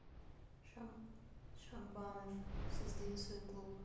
shampanov создаю свой клуб